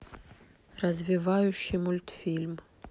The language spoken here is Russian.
развивающий мультфильм